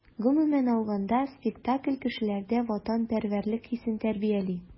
Гомумән алганда, спектакль кешеләрдә ватанпәрвәрлек хисен тәрбияли.